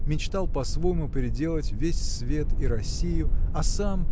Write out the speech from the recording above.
мечтал по-своему переделать весь свет и Россию а сам